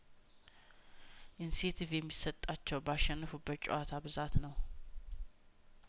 ኢንሴቲቭ የሚሰጣቸው ባሸነፉበት ጨዋታ ብዛት ነው